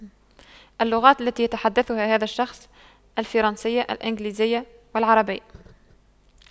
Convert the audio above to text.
اللغات التي يتحدثها هذا الشخص الفرنسية الانجليزية والعربية